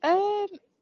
Ymm